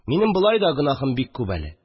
Минем болай да гөнаһым бик күп әле